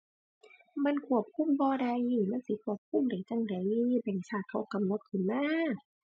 มันควบคุมบ่ได้ มันสิควบคุมได้จั่งใด แบงก์ชาติเขากำหนดขึ้นมา